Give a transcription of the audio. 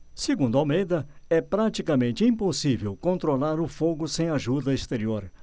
segundo almeida é praticamente impossível controlar o fogo sem ajuda exterior